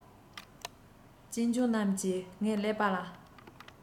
གཅེན གཅུང རྣམས ཀྱིས ངའི ཀླད པ ལ